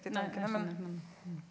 nei jeg skjønner men .